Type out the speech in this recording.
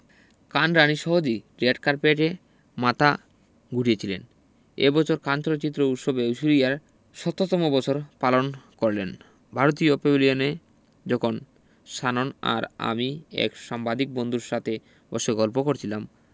কান রাণী সহজেই রেড কার্পেটে মাথা ঘুরিয়েছিলেন এ বছর কান চলচ্চিত্র উৎসবে ঐশ্বরিয়ার ১৭তম বছর পালন করলেন ভারতীয় প্যাভিলিয়নে যখন শ্যানন আর আমি এক সাংবাদিক বন্ধুর সাথে বসে গল্প করছিলাম